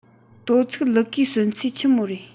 དོ ཚིག ལུ གུའི གསོན ཚད ཆི མོ རེད